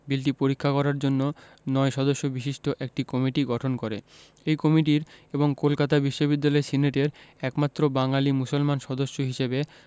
বিলটি পরীক্ষা করার জন্য ৯ সদস্য বিশিষ্ট একটি কমিটি গঠন করে এই কমিটির এবং কলকাতা বিশ্ববিদ্যালয় সিনেটের একমাত্র বাঙালি মুসলমান সদস্য হিসেবে